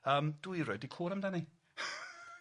Yym dwi 'r'oid 'di clwed amdani.